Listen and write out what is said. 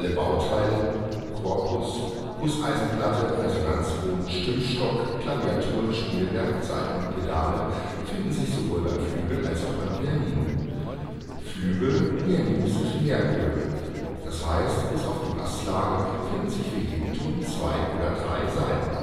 Bauteile (Korpus, Gusseisenplatte, Resonanzboden, Stimmstock, Klaviatur, Spielwerk, Saiten und Pedale) finden sich sowohl beim Flügel als auch beim Pianino Flügel und Pianinos sind mehrchörig, d.h. bis auf die Basslage finden sich für jeden Ton zwei oder drei Saiten